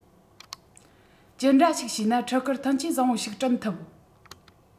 ཅི འདྲ ཞིག བྱས ན ཕྲུ གུར མཐུན རྐྱེན བཟང པོ ཞིག བསྐྲུན ཐུབ